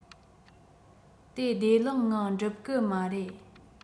དེ བདེ ལག ངང འགྲུབ གི མ རེད